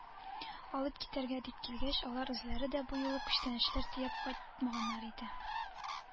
Алып китәргә дип килгәч, алар үзләре дә бу юлы күчтәнәчләр төяп кайтмаганнар иде.